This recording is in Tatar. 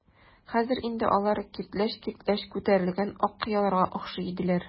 Хәзер инде алар киртләч-киртләч күтәрелгән ак кыяларга охшый иделәр.